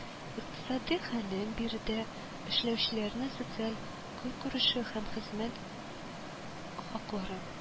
Икътисади хәле, биредә эшләүчеләрнең социаль көнкүреше һәм хезмәт хаклары